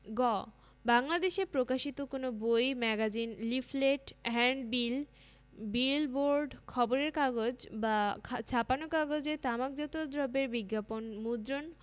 গ বাংলাদেশে প্রকাশিত কোন বই ম্যাগাজিন লিফলেট হ্যান্ডবিল বিলবোর্ড খবরের কাগজ বা ছাপানো কাগজে তামাকজাত দ্রব্যের বিজ্ঞাপন মুদ্রণ